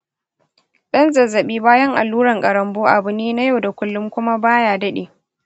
ɗan zazzabi bayan allurar ƙarambo abu ne na yau da kullum kuma ba ya daɗe.